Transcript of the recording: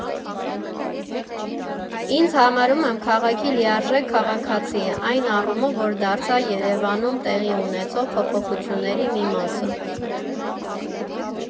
Ինձ համարում եմ քաղաքի լիարժեք քաղաքացի, այն առումով, որ դարձա Երևանում տեղի ունեցող փոփոխությունների մի մասը։